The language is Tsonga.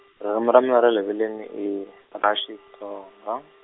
ririmi ra mina ra le veleni i, ra Xitsonga.